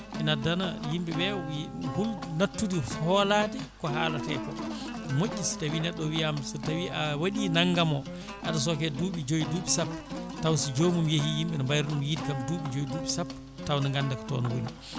ina addana yimɓeɓe nattuide hoolade ko haalete ko moƴƴi so tawi neɗɗo o wiyama so tawi a waɗi naggam o aɗa sooke duuɓi jooyi duuɓi sappo taw so joomum yeehi yimɓe ne mbayra ɗum yiide kam duuɓi jooyi duuɓi sappo tawne ganda ko toon woni